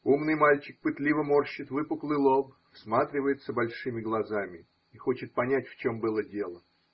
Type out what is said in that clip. Умный мальчик пытливо морщит выпуклый лоб, всматривается большими глазами и хочет понять, в чем было дело.